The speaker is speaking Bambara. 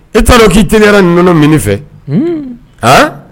E t'a dɔn k'i teliyara nin nɔnɔ minni fɛ, a